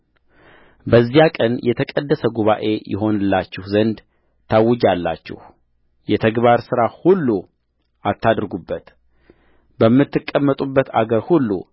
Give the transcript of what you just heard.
በዚያም ቀን የተቀደሰ ጉባኤ ይሆንላችሁ ዘንድ ታውጃላችሁ የተግባር ሥራ ሁሉ አታድርጉበት በምትቀመጡበት አገር ሁሉ